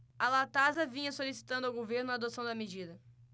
a latasa vinha solicitando ao governo a adoção da medida